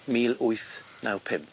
Mil wyth naw pump.